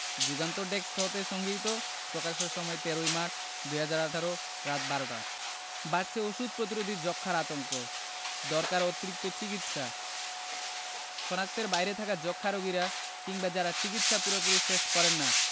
Jugantor desk হতে সংগৃহীত প্রকাশের সময় ১৩ই মার্চ ২০১৮ রাত ১২:০০ টা বাড়ছে ওষুধ প্রতিরোধী যক্ষ্মার আতঙ্ক দরকার অতিরিক্ত চিকিৎসা শনাক্তের বাইরে থাকা যক্ষ্মা রোগীরা কিংবা যারা চিকিৎসা পুরোপুরি শেষ করেন না